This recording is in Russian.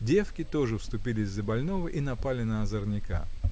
Девки тоже вступились за больного и напали на озорника.